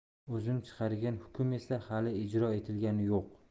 o'zim chiqargan hukm esa hali ijro etilgani yo'q